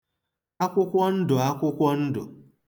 akwụkwọndụ̀ akwụkwọndụ̀